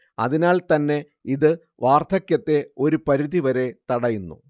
അതിനാൽ തന്നെ ഇത് വാർധക്യത്തെ ഒരു പരിധിവരെ തടയുന്നു